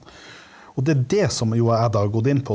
og det er det som jo jeg da har gått inn på.